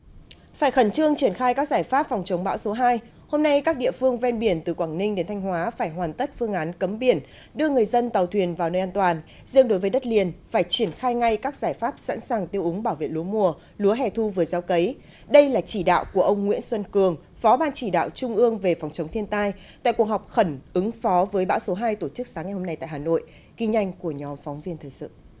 phải khẩn trương triển khai các giải pháp phòng chống bão số hai hôm nay các địa phương ven biển từ quảng ninh đến thanh hóa phải hoàn tất phương án cấm biển đưa người dân tàu thuyền vào nơi an toàn riêng đối với đất liền phải triển khai ngay các giải pháp sẵn sàng tiêu úng bảo vệ lúa mùa lúa hè thu vừa gieo cấy đây là chỉ đạo của ông nguyễn xuân cường phó ban chỉ đạo trung ương về phòng chống thiên tai tại cuộc họp khẩn ứng phó với bão số hai tổ chức sáng ngày hôm nay tại hà nội ghi nhanh của nhóm phóng viên thời sự